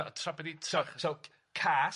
Tra- tra- be' 'di trach-... So ca- cas...